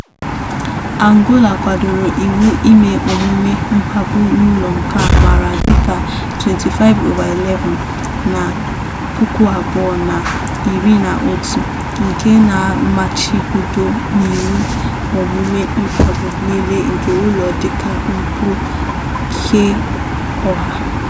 Angola kwadoro iwu ime omume mkpagbu n'ụlọ nke a maara dịka 25/11 na 2011 nke na-amachibudo n'iwu omume mkpagbu niile nke ụlọ dịka mpụ keọha.